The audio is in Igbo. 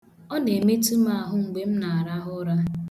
Ọ na-emetu m ahụ mgbe m na-arahụ ụra.